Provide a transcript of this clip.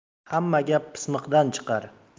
hamma gap pismiqdan chiqar